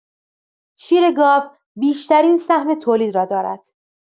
شیر گاو بیشترین سهم تولید را دارد.